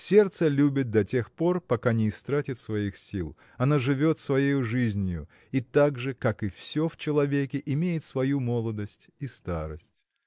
Сердце любит до тех пор, пока не истратит своих сил. Оно живет своею жизнию и так же как и все в человеке имеет свою молодость и старость.